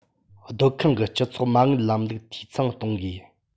སྡོད ཁང གི སྤྱི གསོག མ དངུལ ལམ ལུགས འཐུས ཚང གཏོང དགོས